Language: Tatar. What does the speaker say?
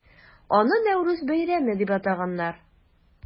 Аны Нәүрүз бәйрәме дип атаганнар.